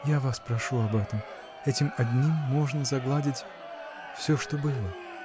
-- Я вас прошу об этом; этим одним можно загладить. все, что было.